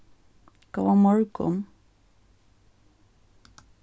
góðan morgun